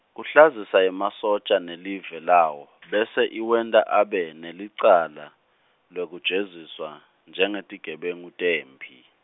Kuhlazisa emasotja nelive lawo, bese iwenta abe, nelicala, lwekujeziswa, njengetigebengu, temphi.